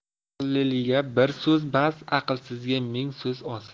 aqlmga bir so'z bas aqlsizga ming so'z oz